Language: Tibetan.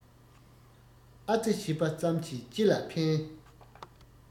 ཨ ཙི བྱས པ ཙམ གྱིས ཅི ལ ཕན